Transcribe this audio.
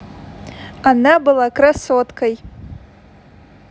она была красоткой